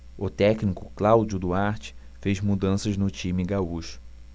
o técnico cláudio duarte fez mudanças no time gaúcho